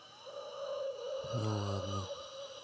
ну ладно